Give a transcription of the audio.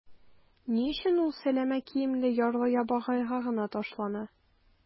Ни өчен ул сәләмә киемле ярлы-ябагайга гына ташлана?